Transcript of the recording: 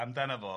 amdano fo.